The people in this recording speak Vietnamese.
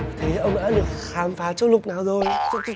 thế ông đã được khám phá châu lục nào rồi